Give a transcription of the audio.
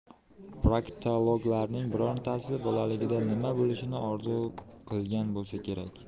proktologlarning birortasi bolaligida nima bo'lishini orzu qilgan bo'lsa kerak